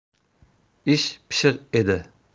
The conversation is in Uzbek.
ish pishiq edi